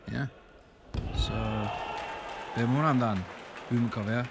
Ia so be mae hwnna amdan? Dwi'm yn cofio.